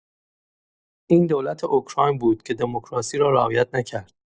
این دولت اوکراین بود که دموکراسی را رعایت نکرد.